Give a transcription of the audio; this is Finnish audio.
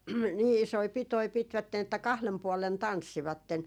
niin isoja pitoja pitivät että kahden puolen tanssivat